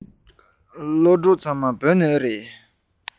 སློབ ཕྲུག ཚང མ བོད ནས རེད པས